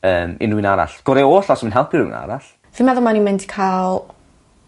yym unrywun arall. Gore' oll os yw e'n helpu rywun arall. Fi'n meddwl ma' n'w mynd i ca'l